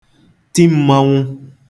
ti mmanwụ̄